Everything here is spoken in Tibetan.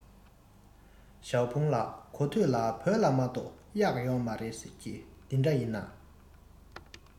ཞའོ ཧྥུང ལགས གོ ཐོས ལ བོད ལ མ གཏོགས གཡག ཡོད མ རེད ཟེར གྱིས དེ འདྲ ཡིན ན